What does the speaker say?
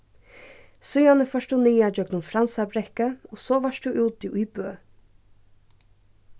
síðani fórt tú niðan gjøgnum fransabrekku og so vart tú úti í bø